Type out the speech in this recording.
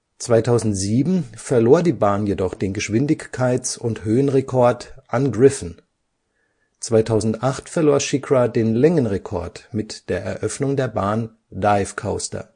2007 verlor die Bahn jedoch den Geschwindigkeits - und Höhenrekord an Griffon. 2008 verlor SheiKra den Längenrekord mit der Eröffnung der Bahn Dive Coaster